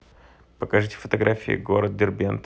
покажите фотографии город дербент